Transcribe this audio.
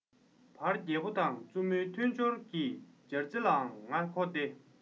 བར རྒྱལ པོ དང བཙུན མོའི མཐུན སྦྱོར གྱི སྦྱར རྩི ལའང ང མཁོ སྟེ